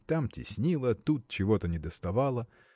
Там теснило, тут чего-то недоставало